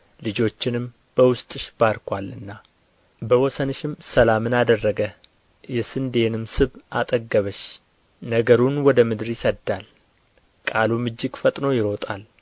ልጆችንም በውስጥሽ ባርኮአልና በወሰንሽም ሰላምን አደረገ የስንዴንም ስብ አጠገበሽ ነገሩን ወደ ምድር ይሰድዳል ቃሉም እጅግ ፈጥኖ ይሮጣል